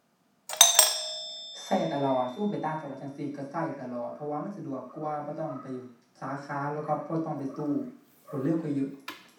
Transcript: ใช้ตลอด ซุมไปต่างจังหวัดจั่งซี้ใช้ใช้ตลอด เพราะว่ามันสะดวกกว่า บ่ต้องไปสาขา แล้วใช้บ่ต้องไปตู้ รวดเร็วกว่าเยอะ